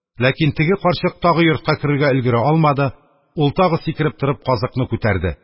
Ләкин теге карчык тагы йортка керергә өлгерә алмады, ул тагы, сикереп торып, казыкны күтәрде.